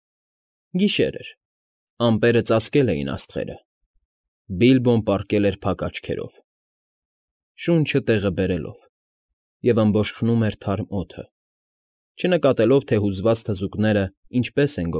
Գիշեր էր, ամպերը ծածկել էին աստղերը, Բիլբոն պառկել էր փակ աչքերով, շունչը տեղը բերելով, և ըմբոշխնում էր թարմ օդը, չնկատելով, թե հուզված թզուկներն ինչպես են։